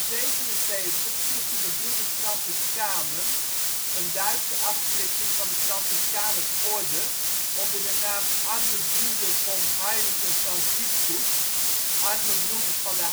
1877 stichtten de Broeders Franciscanen - een Duitse afsplitsing van de franciscaner Orde onder de naam Arme Brüder vom Heiligen Franziskus (arme broeders van de